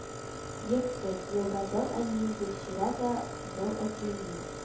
Йөрттек) елда, дәү әнием гөлчирә да, дәү әтиемнең